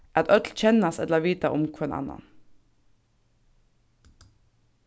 at øll kennast ella vita um hvønn annan